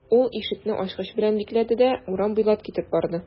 Ул ишекне ачкыч белән бикләде дә урам буйлап китеп барды.